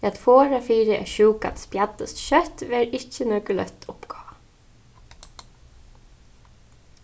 at forða fyri at sjúkan spjaddist skjótt var ikki nøkur løtt uppgáva